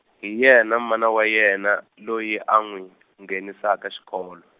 hi yena mana wa yena loyi a n'wi , nghenisaka xikolo.